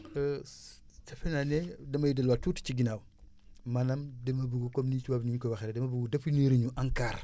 defe naa ne damay delluwaat tuuti ci ginnaaw maanaam dama bëgg comme ni tubaab ni mu ko waxee dama bëgg définir ñu ANCAR